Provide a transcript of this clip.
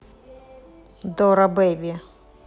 дора бейби